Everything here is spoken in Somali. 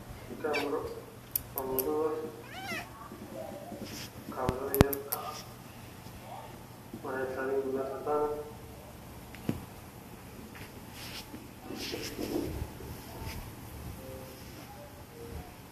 Waa kaamiro midabkeedu yahay madow miiska cadaan